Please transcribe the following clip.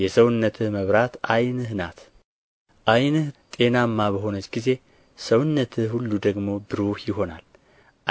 የሰውነትህ መብራት ዓይንህ ናት ዓይንህ ጤናማ በሆነች ጊዜ ሰውነትህ ሁሉ ደግሞ ብሩህ ይሆናል